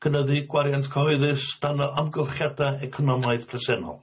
cynnyddu gwariant cyhoeddus dan y- amgylchiada economaidd presennol.